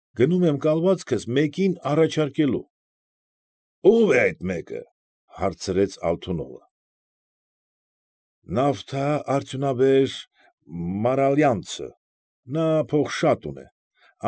Գնում եմ կալվածքս մեկին առաջարկելու։ ֊ Ո՞վ է այդ մեկը,֊ հարցրեց Ալթունովը։ ֊ Նավթա֊արդյունաբեր Մարալյանցը, նա փող շատ ունե։